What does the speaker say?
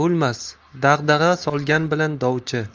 bo'lmas dag'dag'a solgan bilan dovchi